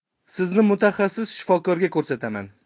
sizni mutaxassisshifokorga ko'rsataman